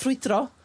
ffrwydro!